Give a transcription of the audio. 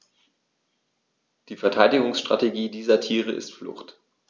Die Verteidigungsstrategie dieser Tiere ist Flucht.